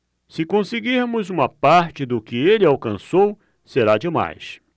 se conseguirmos uma parte do que ele alcançou será demais